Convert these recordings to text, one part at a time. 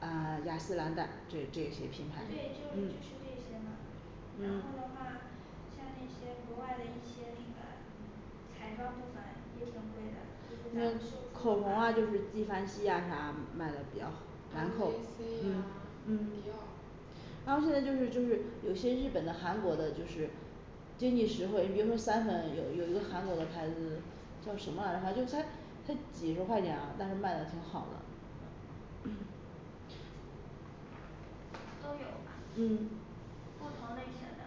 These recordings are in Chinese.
啊雅诗兰黛这这些对就是品牌就是嗯这些嘛然后嗯的话像那些国外的一些那个嗯彩妆部分也挺贵的就是嗯咱们口红啊就是纪梵希啊啥卖的比较好 M A 兰蔻 C 啊嗯迪嗯奥然后现在就是就是有些日本的韩国的就是经济实惠，你比如说散粉有有一个韩国的牌子叫什么反正就是它它几十块钱啊但是卖的挺好的 都有吧嗯不同类型的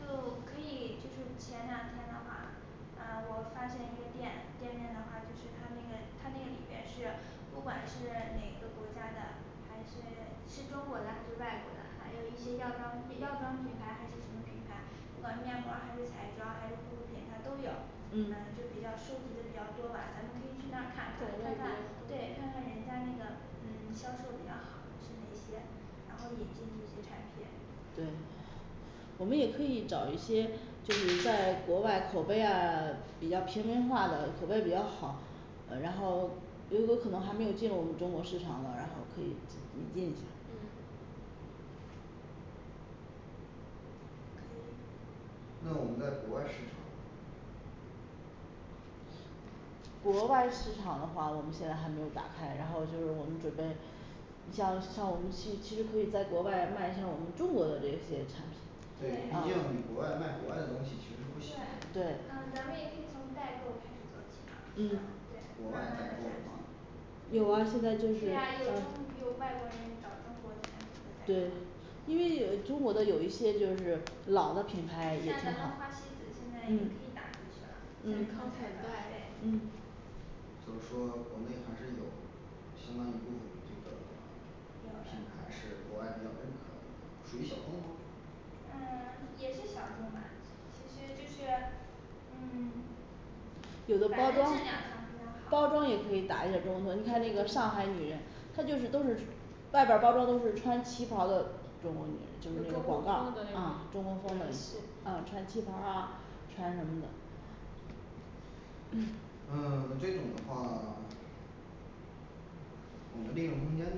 就可以就是前两天的话，啊我发现一个店店面的话就是他那个他那个里面是不管是哪个国家的还是是中国的还是外国的，还有一些药妆药妆品牌还是什么品牌不管面膜儿还是彩妆还是护肤品，它都有嗯嗯就比较收集的比较多吧咱们可以去对那儿看种类看比较对对看看人家那个嗯销售比较好是哪些，然后引进这些产品，对我们也可以找一些就是在国外口碑啊比较平民化的口碑比较好嗯然后如果可能还没有进入我们中国市场的，然后可以引进一下儿嗯可以那我们在国外市场国外市场的话我们现在还没有打开，然后就是我们准备像像我们其其实可以在国外卖，像我们中国的这些产品对毕对竟国外卖国外的东西其实不行对咱们也可以从代购开始走起嘛嗯对国外慢慢代购的来的话有啊现在就对是有啊有中嗯有外国人找中国产品的对感觉因为有中国的有一些就是老的品像咱们牌也挺好花西子现在也可以嗯打个折儿就是说国内还是有相当一部分这个有 品的牌是国外比较认可的，属于小众吗嗯 也是小众吧其实就是嗯 有感觉质量的包上装，比较好包装也可以打一下，你看那个上海女她就是都是外边儿包装都是穿旗袍的种就中是那国广风告的那嗯中国种风的短一一些些嗯穿旗袍儿啊穿什么的嗯这种的话我们利润空间的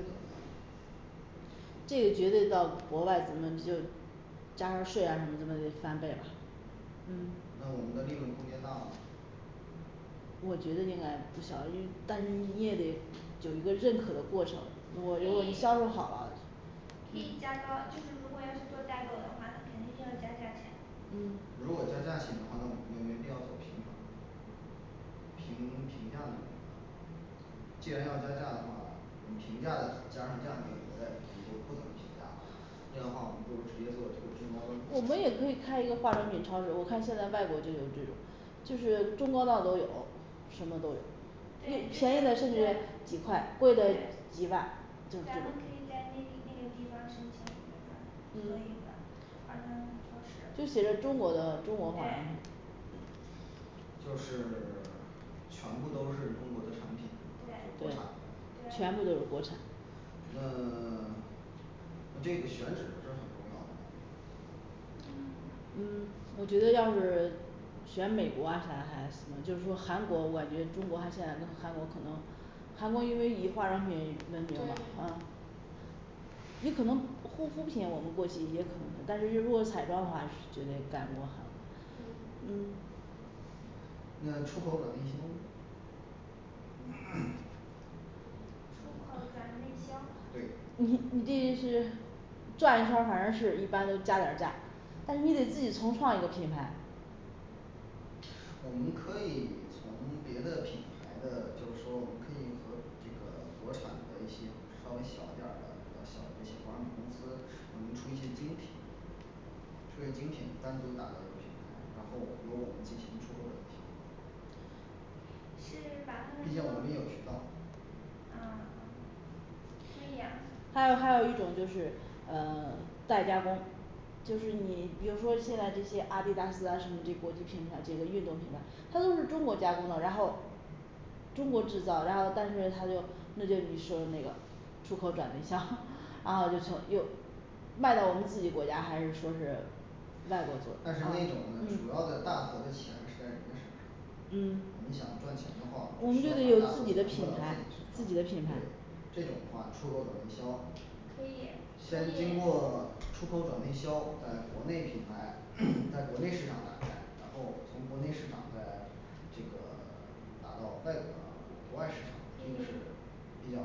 这个绝对到国外咱们就加上税啊什么的翻倍了嗯那我们的利润空间大吗嗯我觉得应该不小了因为但是你也得有一个认可的过程，如果如果你销售好了可以加高，就是如果要是做代购的话，他肯定要加价钱嗯如果加价钱的话，那我们就没必要走平衡评评价呢既然要加价的话，我们平价的，这样的话，我们不如直接做中高端我们也可以开个化妆品超市，我看现在国外就有这种就是中高档都有什么都有对对，便宜的甚至对几块贵的对几万咱们在那那个地方开个嗯平价，超市就写着中国的中国化妆品对就是 全部都是中国的产品国对产对的全对部都是国产那 那这个选址是很重要的嗯嗯我觉得要是选美国啊啥的还什么就是说韩国我觉得中国它现在跟韩国可能韩国因为以化妆品闻名对嗯你可能护肤品我们过去也可能，但是如果彩妆的话是绝对干不好韩国嗯嗯那出口转内销呢 出口转内销对你你这是转一圈儿反正是一般都加点儿价儿，但是你得自己重创一个品牌我们可以从别的品牌的，就是说我们可以和这个国产的一些稍微小一点儿的比较小的一些化妆品公司能出一些精品出一精品，单独打造一个品牌，然后我们由我们进行初步的是把它毕们竟我们都有渠道啊可以呀还有还有一种就是嗯 代加工就是你比如说现在这些阿迪达斯啊什么这国际品牌这个运动品牌，它都是中国加工的然后中国制造，然后但是它就那就你说的那个出口转内销， 然后就从又卖到我们自己国家，还是说是外国的嗯但是那种的嗯主要的大头儿的企业还是在人的身上嗯你想赚钱的话我们就得有自己的品牌自己的品牌这种的话出口转内销可以先是可经以过出口转内销，在国内品牌 在国内市场打开，然后从国内市场再这个达到外国国外市场可就以是比较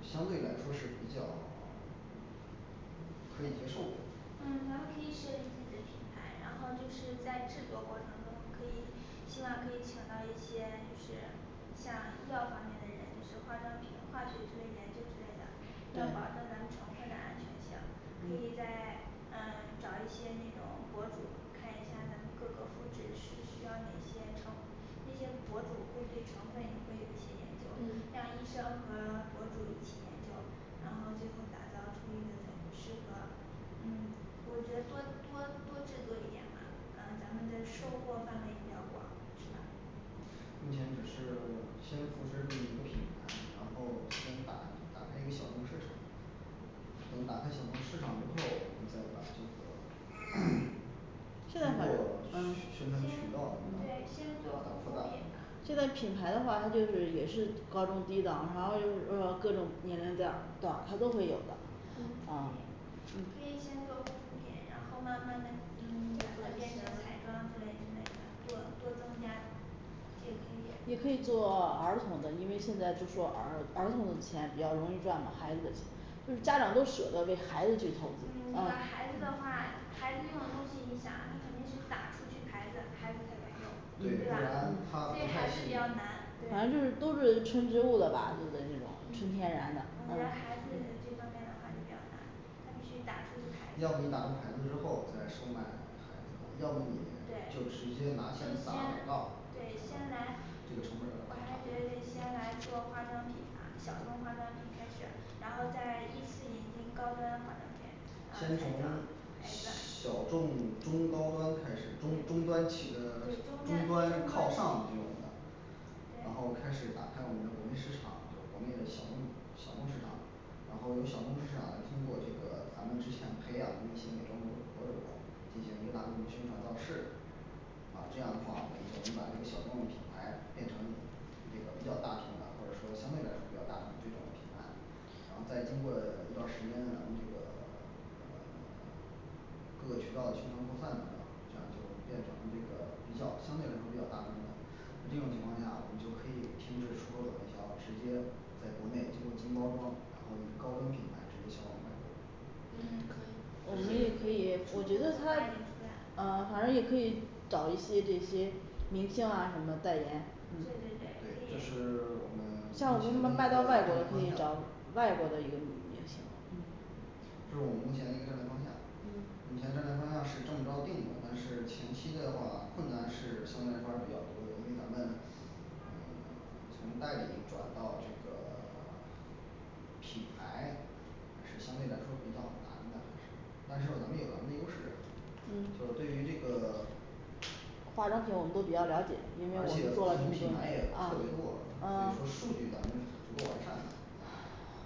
就相对来说是比较可以接受嗯咱们可以设计自己的品牌，然后就是在制作过程中可以希望可以请到一些就是像医药方面的人是化妆品化学之类研究之类的要对保证咱们成分的安全性，可以嗯再 嗯 找一些那种博主，看一下咱们各个肤质是需要哪些成那些博主会对成分也会有些研究，嗯像医生和博主一起研究，然后最后打造出应该最适合嗯我觉得多多多制作一点嘛，嗯咱们的收获范围比较广是吧目前只是先扶持这么一个品牌，然后先打开打开一个小众市场等打开小众市场之后，我们再把这个 通过需 需现在反正 嗯宣传渠先道对先做护肤品嘛现在品牌的话它就是也是高中低档，然后又是各种年龄店儿段儿它都会有的嗯可以嗯可以先做护肤品，然后慢慢的嗯然后变成彩妆之类之类的，多多增加也可以也可以做儿童的，因为现在就说儿儿童的钱比较容易赚嘛孩子就是家长都舍得为孩子去投嗯资嗯这嗯个孩子的话，孩子用的东西你想啊他肯定是打出去牌子，孩子才敢用对对不然吧它？所不以太还是吸比较难引反正就是对都是纯植物的吧，就是那种纯天然的反嗯正孩孩子这方面的话就比较难它必须打出个牌子要不就打出牌子之后再收买孩还要不你对就直接拿去就打广先告儿嗯对先来这个成本我还是儿觉得是先来做化妆品吧，小众化妆品开始，然后再依次引进高端化妆品啊彩先妆从牌子小 众中高端开始中中端起的对中中间端中靠端上能用然后开始打开我们的国内市场，就国内的小众小众市场然后由小众市场来通过这个咱们之前培养的那些美妆博博主进行一个大规模宣传造势然后这样的话我们就能把这个小众品牌变成这个比较大众的，或者说相对来说比较大众这种品牌。然后再经过 一段时间咱们这个 各个渠道的宣传扩散等等，这样就变成这个比较相对来说比较大众的这种情况下，我们就可以停止出口转内销，直接在国内经过精包装，然后高端品牌直接销往外嗯可以我就们也可是以，我觉得他嗯反正也可以找一些这些明星啊什么代言对对嗯对这可以是我们目像前我们的卖卖一到个外国战就可略以方找向外国的一个女明星嗯这是我们目前的一个战略方向嗯目前战略方向是这么着定的，但是前期的话困难是相对来说还是比较多因为咱们从代理转到这个 品牌，是相对来说比较难的，还是但是我们有咱们优势就嗯是对于这个化妆品我们都比较了解，因为而我且们做我了们嗯品牌也特别多所嗯以说数据咱们不够完善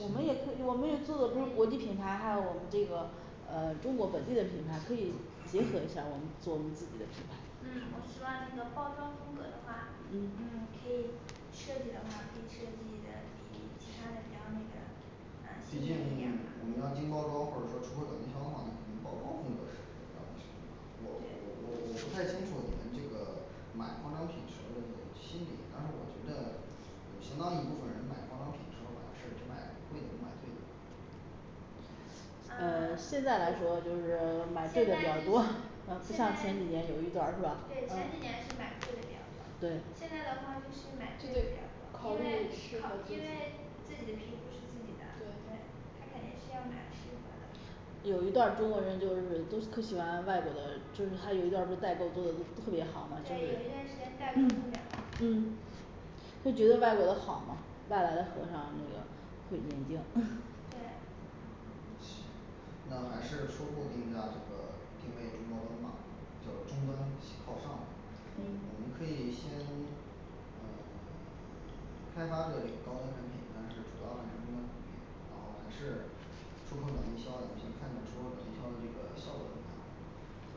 我们也可以我们也做的不是国际品牌，还有我们这个呃中国本地的品牌，可以结合一下儿我们做我们自己的品牌嗯我希望这个包装风格的话嗯嗯可以设计的话，可以设计的比其他的比较那个嗯，啊毕一竟点儿我嘛们要精包装或者说出个的话，可能包装风格是不一样的。我对我我不太清楚你们这个 买化妆品的时候儿心理，但是我觉得有相当一部分人买化妆品的时候，好像是只买贵的不买对的嗯嗯现在来说就是买贵现的在比较就多， 不像前现在几年有一段儿是吧对前几嗯年是买贵的比较多对现在的话就是买这贵得的比较考多，因虑为适合考自因为己自己的皮肤是自己的，对她肯定需要买适合的有一段儿中国人就是都可喜欢外国的，就是还有一段儿不是代购做得特别好嘛就对有是一段时间代购特别好嗯就觉得外国的好吗？外来的和尚那个会念经 对行。那还是初步定价这个定位中国文化，就中端西 靠上，可以我们可以先嗯 开发的一个高端产品然后还是出口转内销量，你先看一下出口转内销量这个效果怎么样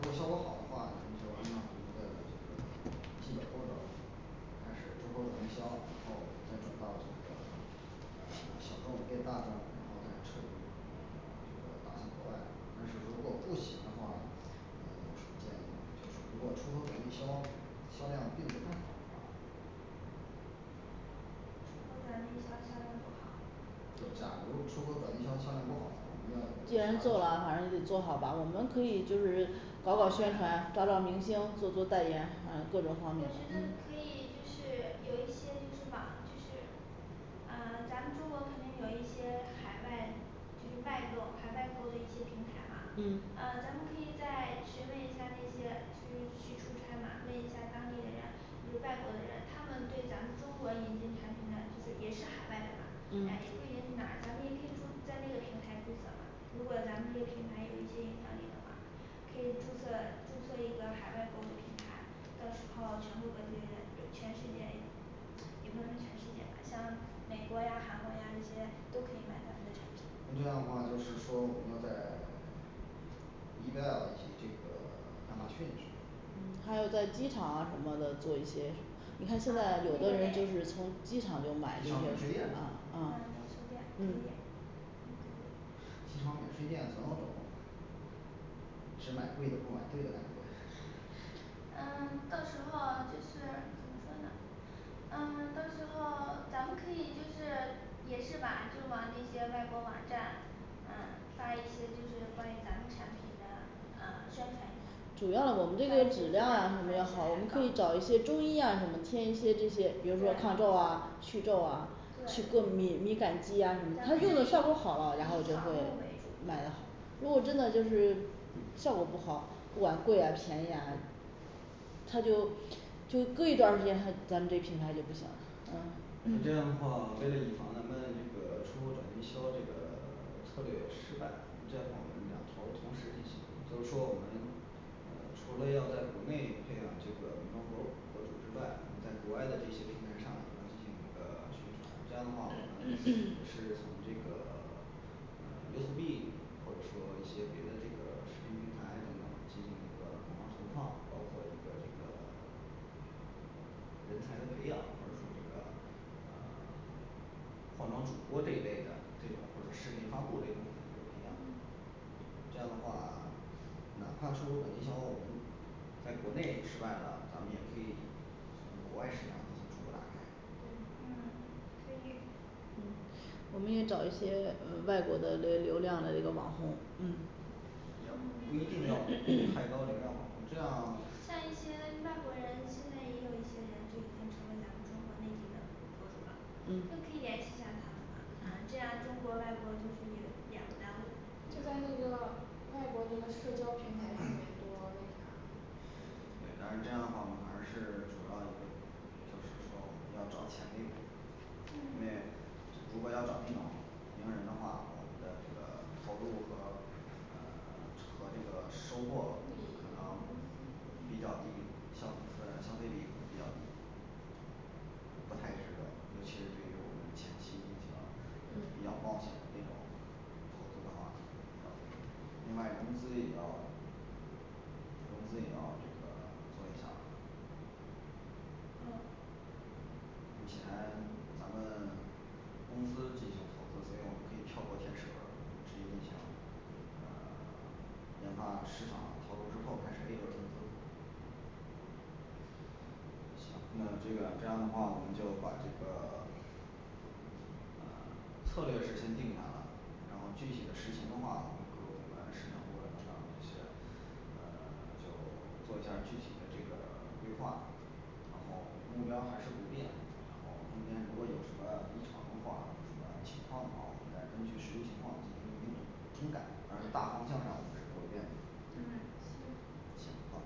如果效果好的话，你就按照你这个基本步骤儿开始出口转内销，然后再转到这个嗯小众变大众，然后再彻底这个国外但是如果不行的话，嗯出现如果出口转内销销量并不太好的话出口转内销销量不好就假如出口转内销销量不好咱们再既然做啊，反正是做好吧，我们可以就是搞搞宣传，找找明星做做代言，反正各种我觉方面得嗯可以就是有一些就是网就是嗯咱们中国肯定有一些海外就是外购海外购的一些平台嘛嗯嗯咱们可以再询问一下那些去去出差嘛问一下当地的人，就是外国对人他们对咱们中国引进产品的也是海外的嘛，嗯也不嗯一定是哪儿咱们也可以注在那个平台注册嘛如果咱们这个平台有一些影响力的话可以注册注册一个海外购置平台，到时候全国各地的人对全世界也不能说全世界吧像美国呀韩国呀这些都可以买咱们的产品，那这样的话就是说我们要在以及这个 亚马逊是嗯还有在机场啊什么的做一些，你看现在有的人就是从机场就买一机些场免税店嗯啊嗯嗯免税店嗯可以机场免税店等等，只买贵的不买对的感觉 嗯到时候就是怎么说呢嗯到时候咱们可以就是也是吧，就往那些外国网站嗯发一些就是关于咱们产品的嗯宣传一下主要的我们这个质量呀什么也好，我们可以找一些中医呀什么签一些这些，比如说抗皱啊祛痘啊，去购敏敏感肌啊什么她用的效果好了，然后就会卖的好如果真的就是效果不好，不管贵呀便宜呀她就就隔一段时间她咱们这品牌就不行了嗯那这样的话为了以防咱们这个出口转内销这个 策略失败，这块儿我们两头同时进行，就是说我们嗯除了要在国内培养这个我们国国土之外我们在国外的一些平台上也要进行一个宣传，这样的话我们是从这个 嗯或者说一些别的这个 视频平台等等进行一个广告投放，包括一个这个 人才的培养，或者说这个嗯 化妆主播这一类的这种或者视频发布这种的一个培养嗯这样的话哪怕出口转内销，我们在国内失败了咱们也可以从国外市场进行逐步打开嗯嗯可以嗯我们也找一些嗯外国的流流量的一个网红嗯也不一定要太高流量网红这样像一些外国人，现在也有一些人就已经成为咱们中国内地的博主了嗯就可以联系一下她们嘛？啊这样中国外国就是两不耽误就在那个外国那个社交平台上面多那啥对，但是这样的话我们还是主要一个就是说我们要找潜力股因嗯为如果要找那种名人的话，我们的这个投入和嗯 和这个收获可能比较低，相相对比比较低不太值得，尤其是对于我们前期进行比嗯较冒险的那种投资的话，另外融资也要公司也要这个 做一下嗯目前咱们公司进行投资，所以我们可以跳过，直接营销嗯 研发市场投入之后开始A轮儿融资行，那这个这样的话我们就把这个 嗯 策略是先定下来，然后具体的实行的话，我们和我们市场部的领导就先嗯 就 做一下儿具体的这个 规划然后目标还是不变，然后中间如果有什么异常的话，有什么情况的话，我们再根据实际情况进行研究更改，反正是大方向上我们是不会变的嗯行行好